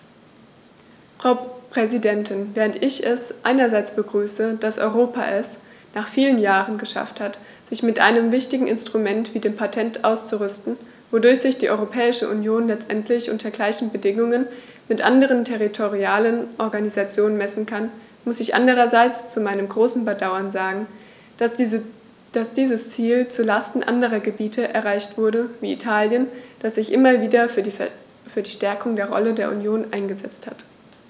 Frau Präsidentin, während ich es einerseits begrüße, dass Europa es - nach vielen Jahren - geschafft hat, sich mit einem wichtigen Instrument wie dem Patent auszurüsten, wodurch sich die Europäische Union letztendlich unter gleichen Bedingungen mit anderen territorialen Organisationen messen kann, muss ich andererseits zu meinem großen Bedauern sagen, dass dieses Ziel zu Lasten anderer Gebiete erreicht wurde, wie Italien, das sich immer wieder für die Stärkung der Rolle der Union eingesetzt hat.